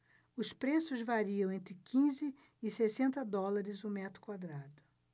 os preços variam entre quinze e sessenta dólares o metro quadrado